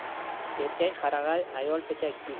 erkak qarag'ay ayol pechakgul